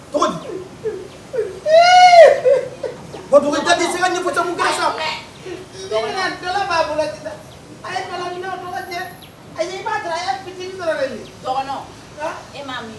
Se ni' a ye a'i'a sɔrɔ a ye e m'a